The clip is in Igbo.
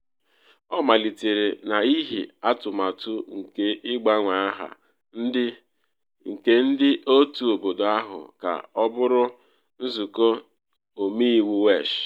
Ọ malitere n’ihi atụmatụ nke ịgbanwe aha nke ndị otu obodo ahụ ka ọ bụrụ Nzụkọ Omeiwu Welsh.